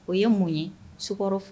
O ye mun ye sukɔrɔ fɔ